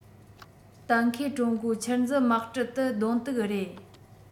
གཏན འཁེལ ཀྲུང གོའི ཆུར འཛུལ དམག གྲུ ཏུ གདོང གཏུག རེད